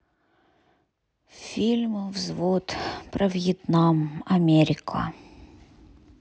фильм взвод про вьетнам америка